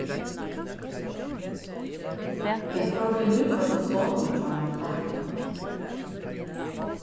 eg fór við nýfødda soninum hjá mær til læknan